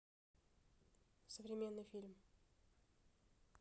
современный фильм